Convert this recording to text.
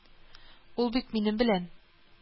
Ул бит минем белән